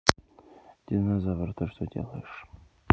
динозавр ты что делаешь